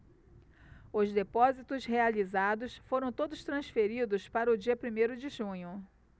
os depósitos realizados foram todos transferidos para o dia primeiro de junho